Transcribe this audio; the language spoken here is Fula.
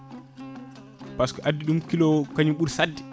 par ce que addi ɗum kilo ko kañum ɓuuri sadde